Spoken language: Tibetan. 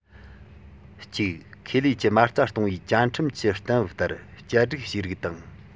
གཅིག ཁེ ལས ཀྱི མ རྩ སྟོངས པའི བཅའ ཁྲིམས ཀྱི གཏན འབེབས ལྟར བསྐྱར སྒྲིག བྱས རིགས དང